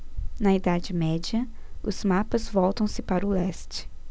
na idade média os mapas voltam-se para o leste